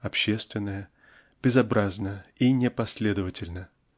общественная--безобразна и непоследовательна